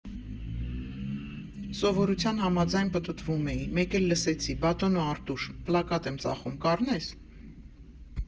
Սովորության համաձայն պտտվում էի, մեկ էլ լսեցի՝ «Բատոնո Արտուշ, պլակատ եմ ծախում, կառնե՞ս»։